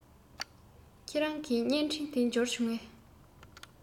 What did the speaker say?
ཁྱེད རང གི བརྙན འཕྲིན དེ འབྱོར བྱུང ངས